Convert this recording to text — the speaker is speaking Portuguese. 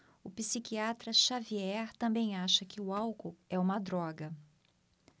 o psiquiatra dartiu xavier também acha que o álcool é uma droga